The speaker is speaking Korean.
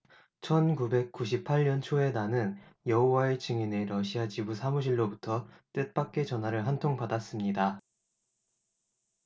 천 구백 구십 팔 년 초에 나는 여호와의 증인의 러시아 지부 사무실로부터 뜻밖의 전화를 한 통 받았습니다